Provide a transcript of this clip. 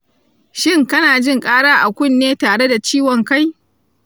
shin kana jin ƙara a kunne tare da ciwon kai?